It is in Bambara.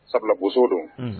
Sabula boso don